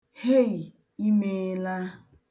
Hei! imeela.